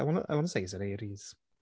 I wanna I wanna say he's an Aries.